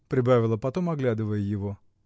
— прибавила потом, оглядывая его.